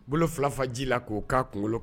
Bolo fila ji la k'o'a kunkolo